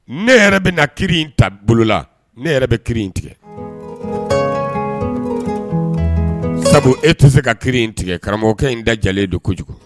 Ne yɛrɛ bɛna na ki in ta bolola ne yɛrɛ bɛ ki in tigɛ sabu e tɛ se ka ki in tigɛ karamɔgɔkɛ in da lajɛlenlen don kojugu